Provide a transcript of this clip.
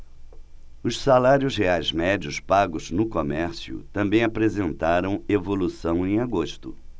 os salários reais médios pagos no comércio também apresentaram evolução em agosto